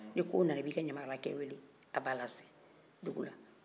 ni ko nana i b'i ka ɲamakala kɛ wele